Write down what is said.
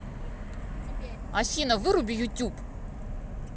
афина выруби youtube